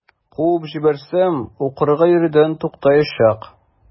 Куып җибәрсәм, укырга йөрүдән туктаячак.